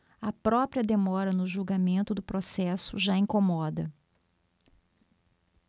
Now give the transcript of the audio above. a própria demora no julgamento do processo já incomoda